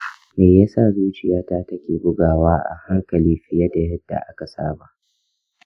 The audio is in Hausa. me yasa zuciyata ke bugawa a hankali fiye da yadda aka saba?